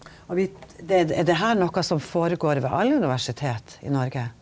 og vi det er det her noko som går føre seg ved alle universitet i Noreg?